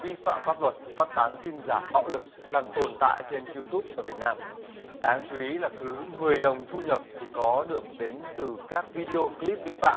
vi phạm pháp luật phát tán tin giả bạo lực đang tồn tại trên iu túp ở việt nam đáng chú ý là cứ mười đồng thu nhập thì có được đến từ các vi đi ô cờ líp vi phạm